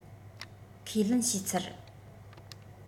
ཁས ལེན བྱས ཚར